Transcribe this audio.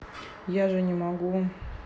я же не могу